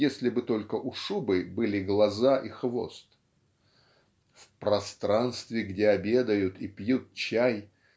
если бы только у шубы были глаза и хвост. В "пространстве где обедают и пьют чай"